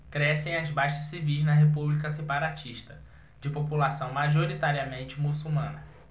crescem as baixas civis na república separatista de população majoritariamente muçulmana